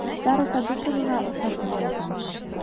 Сара Садыйковага ошатып язам.